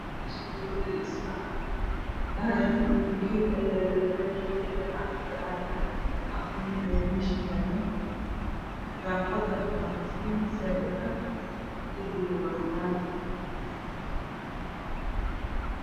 Meshananwaa meel dhisma ah ciid iyo pulkeeti ayaa yaalo dhaagaxyo jajap ah afar nin ayaa nesha taagan daaqada waa iftiin zaid ah darpiga waa cadaan